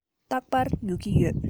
རྟག པར ཉོ གི ཡོད